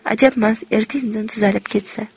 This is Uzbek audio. ajabmas erta indin tuzalib ketsa